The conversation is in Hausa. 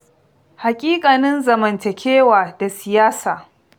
Haƙiƙanin zamantakewa da siyasa